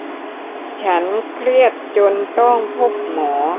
ฉันเครียดจนต้องพบหมอ